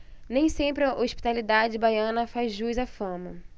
nem sempre a hospitalidade baiana faz jus à fama